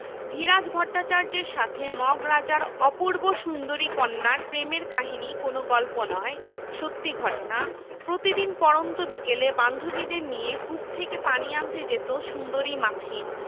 ধীরাজ ভট্টাচার্যের সাথে মগরাজার অপূর্ব সুন্দরী কন্যার প্রেমের কাহিনী কোনো গল্প নয় সত্যি ঘটনা প্রতিদিন পড়ন্ত বিকেলে বান্ধবীদের নিয়ে কুপ থেকে পানি আনতে যেত সুন্দরী মাথিন